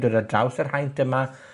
dod ar draws yr haint yma,